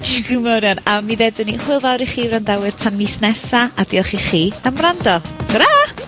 yn fawr iawn. A mi ddedwn ni hwyl fawr i chi wrandawyr tan mis nesa a diolch i chi am wrando, tara!